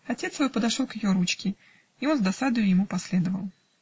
Отец его подошел к ее ручке, и он с досадою ему последовал